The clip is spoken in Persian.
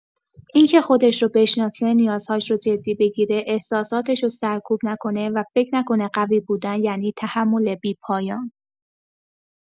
این که خودش رو بشناسه، نیازهاش رو جدی بگیره، احساساتشو سرکوب نکنه و فکر نکنه قوی بودن یعنی تحمل بی‌پایان.